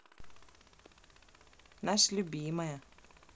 наша любимая